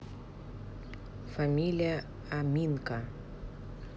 фамилия аминка